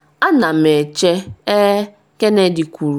“Ana m eche, ee,” Kennedy kwuru.